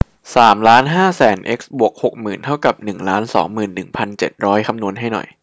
สามล้านห้าแสนเอ็กซ์บวกหกหมื่นเท่ากับหนึ่งล้านสองหมื่นหนึ่งพันเจ็ดร้อยคำนวณให้หน่อย